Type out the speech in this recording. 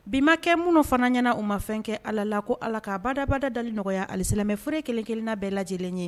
Bi ma kɛ munun fana ɲɛna u ma fɛn kɛ Ala la . Ko Ala ka badabada dali nɔgɔya alisilamɛ fure kelen kelen na bɛɛ lajɛlen ye